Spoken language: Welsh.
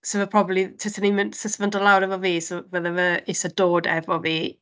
'Sa fe probably... taswn i'n mynd... tasai fe'n dod lawr efo fi 'sa... fydde fe isie dod efo fi.